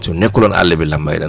su nekkul woon àll bi lambaay dana